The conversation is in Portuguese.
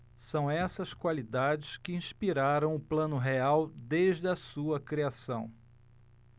são essas qualidades que inspiraram o plano real desde a sua criação